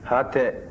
hatɛ